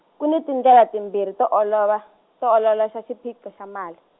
ku ni tindlela timbirhi to olova, to ololoxa xiphiqo xa mali.